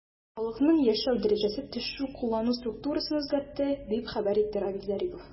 Халыкның яшәү дәрәҗәсе төшү куллану структурасын үзгәртте, дип хәбәр итте Равиль Зарипов.